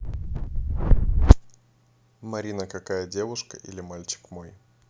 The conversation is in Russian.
марина какая девушка или мальчик мой